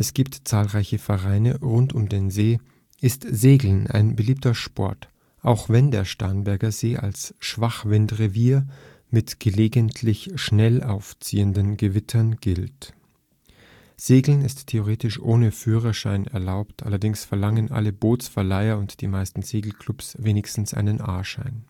gibt zahlreiche Vereine rund um den See), ist Segeln ein beliebter Sport, auch wenn der Starnberger See als Schwachwindrevier mit gelegentlich schnell aufziehenden Gewittern gilt. Segeln ist theoretisch ohne Führerschein möglich, allerdings verlangen alle Bootsverleiher und die meisten Segelclubs wenigstens einen A-Schein